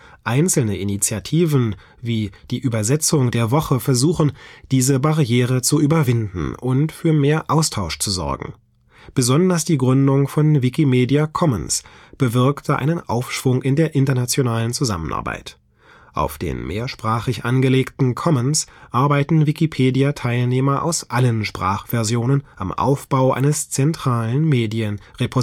Einzelne Initiativen wie die „ Übersetzung der Woche “versuchen, diese Barriere zu überwinden und für mehr Austausch zu sorgen. Besonders die Gründung von Wikimedia Commons bewirkte einen Aufschwung in der internationalen Zusammenarbeit. Auf den mehrsprachig angelegten Commons arbeiten Wikipedia-Teilnehmer aus allen Sprachversionen am Aufbau eines zentralen Medien-Repositoriums